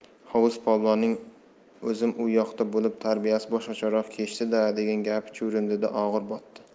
hovuz polvonning o'zim u yoqda bo'lib tarbiyasi boshqacharoq kechdi da degan gapi chuvrindiga og'ir botdi